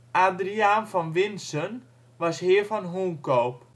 Adriaan van Winssen was heer van Hoenkoop